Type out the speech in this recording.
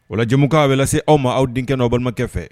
Ola jamukan a bɛ lase aw ma aw denkɛ ni aw balimakɛ fɛ